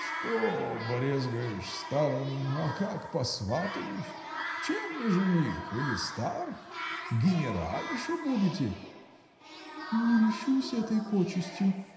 — Что брезгаете старым, а как посватаюсь? Чем не жених — или стар? Генеральша будете. — Не льщюсь этой почестью.